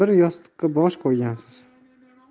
bir yostiqqa bosh qo'ygansiz